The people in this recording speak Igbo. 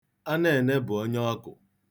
Anene bụ onyeọkụ.